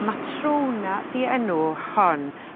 Matrona 'di enw hon.